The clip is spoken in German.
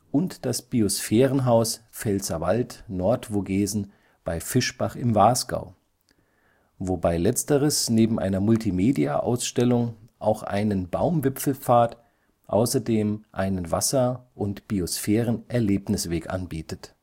und das Biosphärenhaus Pfälzerwald/Nordvogesen bei Fischbach im Wasgau, wobei letzteres neben einer Multimediaausstellung auch einen Baumwipfelpfad, außerdem einen Wasser - und Biosphärenerlebnisweg anbietet